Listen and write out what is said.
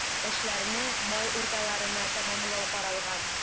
Эшләрне май урталарына тәмамлау каралган.